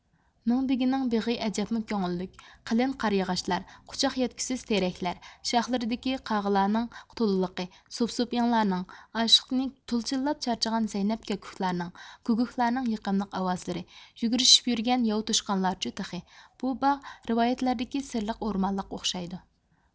مىڭبېگىنىڭ بېغى ئەجەبمۇ كۆڭۈللۈك قېلىن قارىياغاچلىقلار قۇچاق يەتكۈسىز تېرەكلەر شاخلىرىدىكى قاغىلارنىڭ تولىلىقى سوپىسوپىياڭلارنىڭ ئاشىقىنى تولا چىللاپ چارچىغان زەينەپ كاككۇكلارنىڭ گۇگۇكلارنىڭ يېقىملىق ئاۋازلىرى يۈگۈرۈشۈپ يۈرگەن ياۋا توشقانلارچۇ تېخى بۇ باغ رىۋايەتلەردىكى سىرلىق ئورمانلىققا ئوخشايدۇ